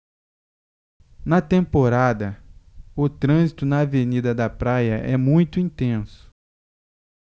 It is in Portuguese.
na temporada o trânsito na avenida da praia é muito intenso